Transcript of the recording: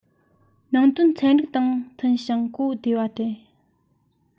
ནང དོན ཚན རིག དང མཐུན ཞིང གོ བདེ བ སྟེ